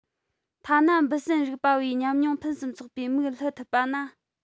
ཐ ན འབུ སྲིན རིག པ བའི མཉམ མྱོང ཕུན སུམ ཚོགས པའི མིག སླུ ཐུབ པ ན